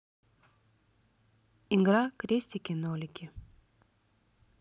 игра крестики нолики